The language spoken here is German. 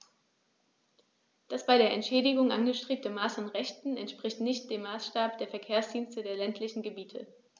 Das bei der Entschädigung angestrebte Maß an Rechten entspricht nicht dem Maßstab der Verkehrsdienste der ländlichen Gebiete.